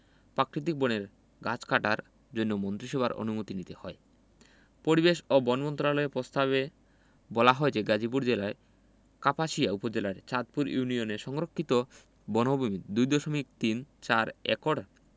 প্রাকৃতিক বনের গাছ কাটার জন্য মন্ত্রিসভার অনুমতি নিতে হয় পরিবেশ ও বন মন্ত্রণালয়ের প্রস্তাবে বলা হয়েছে গাজীপুর জেলার কাপাসিয়া উপজেলার চাঁদপুর ইউনিয়নের সংরক্ষিত বনভূমির ২ দশমিক তিন চার একর